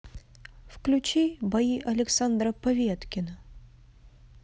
включи бои александра поветкина